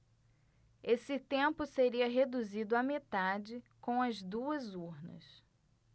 esse tempo seria reduzido à metade com as duas urnas